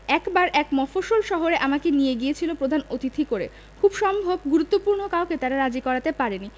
একবার এক মফস্বল শহরে আমাকে নিয়ে গিয়েছিল প্রধান অতিথি করে খুব সম্ভব গুরুত্বপূর্ণ কাউকে তারা রাজি করাতে পারেনি